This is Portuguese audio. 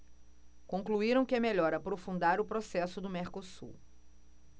concluíram que é melhor aprofundar o processo do mercosul